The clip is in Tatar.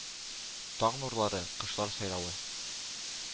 Таң нурлары, кошлар сайравы.